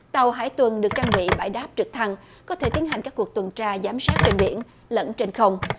tàu hải tuần được trang bị bãi đáp trực thăng có thể tiến hành các cuộc tuần tra giám sát trên biển lẫn trên không